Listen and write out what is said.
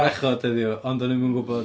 Gwrachod heddiw ond doeddwn i'm yn gwybod.